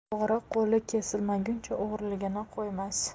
o'g'ri qo'li kesilmaguncha o'g'riligini qo'ymas